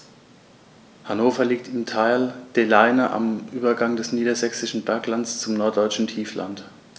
Hannover liegt im Tal der Leine am Übergang des Niedersächsischen Berglands zum Norddeutschen Tiefland.